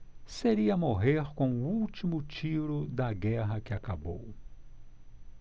seria morrer com o último tiro da guerra que acabou